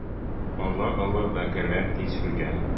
Олы-олы бәкеләр тишелгән.